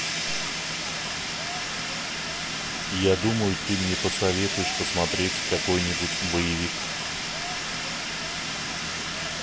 я думаю ты мне посоветуешь посмотреть какой нибудь боевик